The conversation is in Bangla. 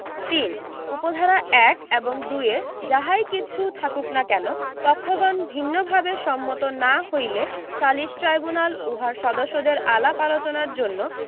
৩ উপ ধারা ১ এবং ২ এ যাহাই কিছু থাকুক না কেন পক্ষগণ ভিন্নভাবে সম্মত না হইলে সালিস ট্রাইব্যুনাল উহার সদস্যদের আলাপ আলোচনার জন্য